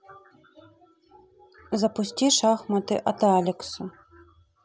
запусти шахматы от алекса